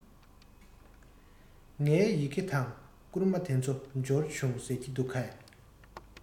ངའི ཡི གེ དང བསྐུར མ དེ ཚོ འབྱོར བྱུང ཟེར གྱི མི འདུག གས